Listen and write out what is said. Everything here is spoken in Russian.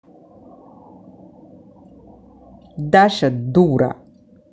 даша дура